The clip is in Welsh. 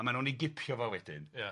a maen nw'n 'i gipio fo wedyn... Ia...